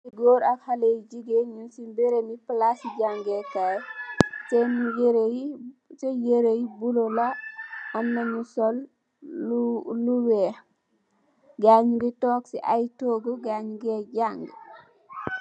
Goor ak haleh yu jegain nugse berebo plase jageh kaye sen yereh ye bluela amna nu sol lu weehe gayee nuge tonke se aye toogu gayee nuge janga.